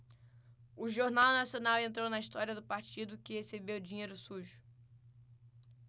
o jornal nacional entrou na história do partido que recebeu dinheiro sujo